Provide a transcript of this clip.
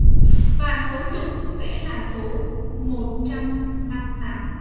và số chục sẽ là số